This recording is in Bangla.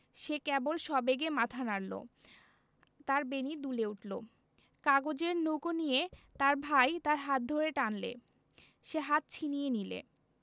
সে কেবল সবেগে মাথা নাড়ল তার বেণী দুলে উঠল কাগজের নৌকো নিয়ে তার ভাই তার হাত ধরে টানলে সে হাত ছিনিয়ে নিলে